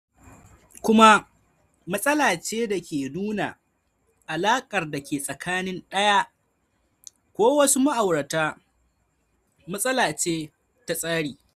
Kuma matsala ce da ke nuna alaƙar da ke tsakanin ɗaya ko wasu ma'auratan - matsala ce ta tsari.